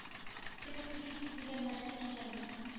Теге кризис дигән нәрсә килгән бит